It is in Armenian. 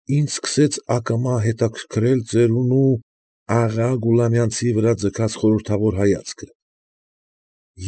Ինձ սկսեց ակամա հետաքրքրել ծերունու աղա Գուլամյանցի վրա ձգած խորհրդավոր հայացքը։